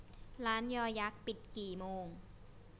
ร้านยยักษ์ปิดกี่โมง